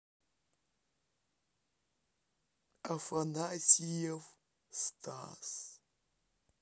афанасьев стас